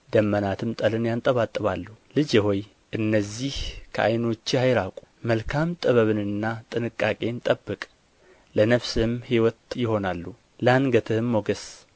ደመናትም ጠልን ያንጠባጥባሉ ልጄ ሆይ እነዚህ ከዓይኖችህ አይራቁ መልካም ጥበብንና ጥንቃቄን ጠብቅ ለነፍስህም ሕይወት ይሆናሉ ለአንገትህም ሞገስ